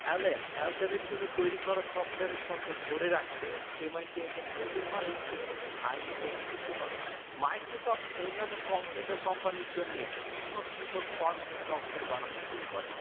এলেন এল্টার এর জন্য তৈরি করা সফটওয়্যার এর সত্ত ধরে রাখতে এম আই টি এস এর নতুন মালিক কে অভিযুক্ত করেন মাইক্রোসফট অন্যান্য কম্পিউটার কোম্পানির জন্য পৃথক পৃথক ফরমেটে সফটওয়্যার বানানো শুরু করে